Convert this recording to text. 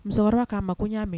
Musokɔrɔba k'a ma ko n' y'a mɛn.